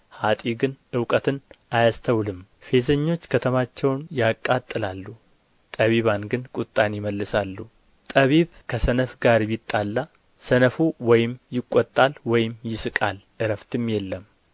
ኀጥእ ግን እውቀትን አያስተውልም ፌዘኞች ከተማቸውን ያቃጥላሉ ጠቢባን ግን ቍጣን ይመልሳሉ ጠቢብ ከሰነፍ ጋር ቢጣላ ሰነፍ ወይም ይቈጣል ወይም ይስቃል ዕረፍትም የለም